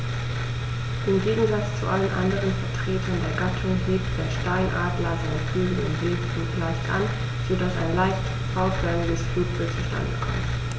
Im Gegensatz zu allen anderen Vertretern der Gattung hebt der Steinadler seine Flügel im Segelflug leicht an, so dass ein leicht V-förmiges Flugbild zustande kommt.